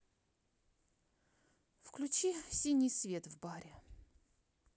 включи синий свет в баре